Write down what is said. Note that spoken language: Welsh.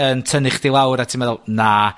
yn tynnu chdi lawr a ti'n meddwl, na.